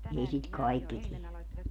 ei sitä kaikki tee